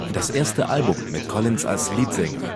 Das erste Album mit Collins als Lead-Sänger